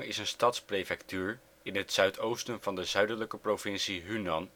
is een stadsprefectuur in het zuidoosten van de zuidelijke provincie Hunan,